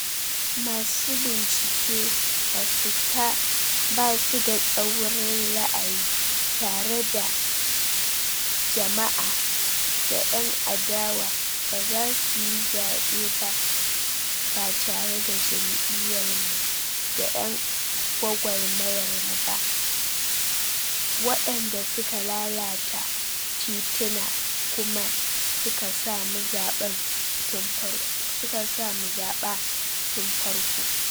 Masu bincike ba su da tsaurin ra'ayi tare da jama'a, da' Yan adawa ba za su yi zabe ba, ba tare da jam'iyyarmu da 'yan gwagwarmayarmu ba, waɗanda suka lalata tituna kuma suka sa mu zaɓa tun a farkon.